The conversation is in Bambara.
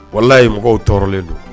Walayi mɔgɔw tɔɔrɔlen don.